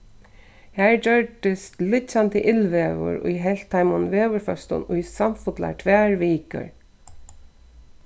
har gjørdist liggjandi illveður ið helt teimum veðurføstum í samfullar tvær vikur